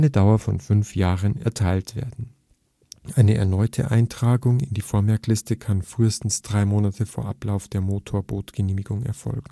Dauer von fünf Jahren erteilt werden. Eine erneute Eintragung in die Vormerkliste kann frühestens drei Monate vor Ablauf der Motorbootgenehmigung erfolgen